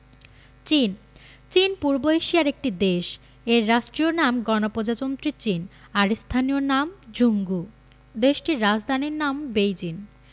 চীন চীন পূর্ব এশিয়ার একটি দেশ এর রাষ্ট্রীয় নাম গণপ্রজাতন্ত্রী চীন আর স্থানীয় নাম ঝুংঘু দেশটির রাজধানীর নাম বেইজিং